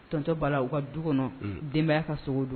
Tɔnontɔ bala la u ka du kɔnɔ denbayaya ka sogo don